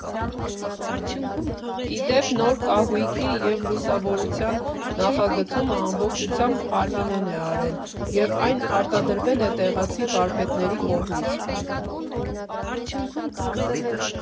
Ի դեպ, նոր կահույքի և լուսավորության նախագծումը ամբողջությամբ Արմինեն է արել և այն արտադրվել է տեղացի վարպետների կողմից։